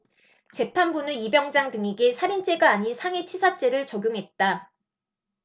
재판부는 이 병장 등에게 살인죄가 아닌 상해치사죄를 적용했다